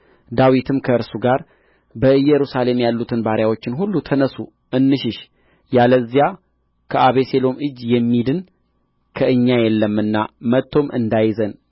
ዳዊትም ከእርሱ ጋር በኢየሩሳሌም ያሉትን ባሪያዎቹን ሁሉ ተነሡ እንሽሽ ያለዚያ ከአቤሴሎም እጅ የሚድን ከእኛ የለምና መጥቶም እንዳይዘን